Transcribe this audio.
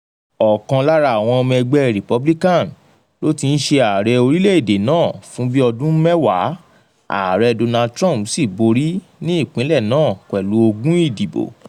Ọ̀kan lára àwọn ọmọ ẹgbẹ́ Republican ló ti ń ṣe ààrẹ orílẹ̀-èdè náà fún bí ọdún mẹ́wàá, Ààrẹ Donald Trump sì borí ní ìpínlẹ̀ náà pẹ̀lú ogún ìdìpọ̀.